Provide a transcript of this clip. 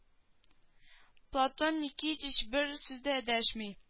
Платон никитич бер сүз дә дәшми